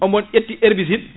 omo ƴetti herbicide